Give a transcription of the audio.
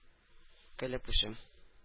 Кәләпүшем